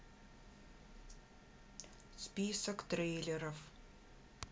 список трейлеров